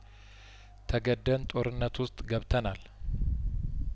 ተገደን ጦርነቱ ውስጥ ገብተናል